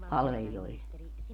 palvelijoille